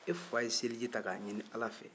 e fa ye seliji ta k'a ɲinin ala fɛ